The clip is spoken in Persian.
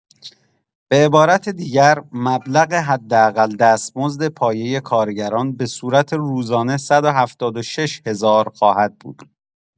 به عبارت دیگر، مبلغ حداقل دستمزد پایه کارگران به صورت روزانه ۱۷۶ هزار خواهد بود.